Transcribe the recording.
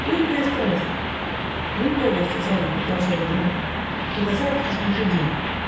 Экая страсть!" -- "Ей-богу, созову, -- продолжал Адриян, -- и на завтрашний же день.